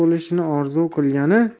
bo'lishini orzu qilgani